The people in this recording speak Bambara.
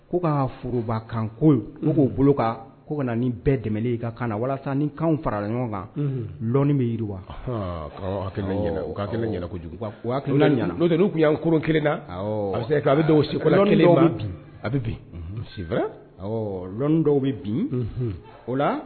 Ko k' forobakan ko u k'o bolo kan ko kana na ni bɛɛ dɛmɛ ka kan na walasa ni kan farala ɲɔgɔn kanɔni bɛ yiri wa kelen kojugu ɲ'o tun y'an kuru kida a bɛ a bɛ bin la dɔw bɛ bin o la